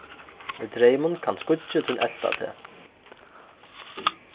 í dreymum kann skuggi tín elta teg